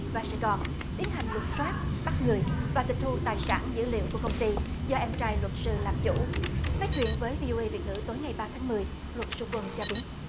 và sài gòn tiến hành lục soát bắt người và tịch thu tài sản dữ liệu của công ty do em trai luật sư làm chủ nói chuyện với vi ô ây việt ngữ tối ngày ba tháng mười luật sư quân cho biết